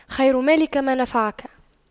خير مالك ما نفعك